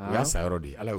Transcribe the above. U y'a sa yɔrɔ de ye ala ye